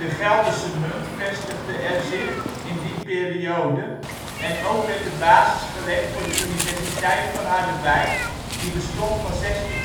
Gelderse Munt vestigde er zich in die periode en ook werd de basis gelegd voor de Universiteit van Harderwijk (1648-1811